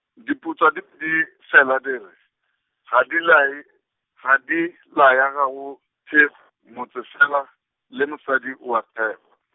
diputswa dip-, di fela di re, ga di la ye, ga di laya ga go thekg- motse fela, le mosadi o a thekgwa.